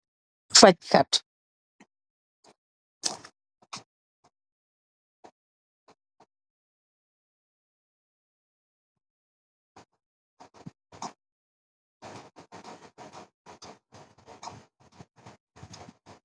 Amb farch kat la